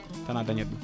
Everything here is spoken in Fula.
tan a adañat ɗum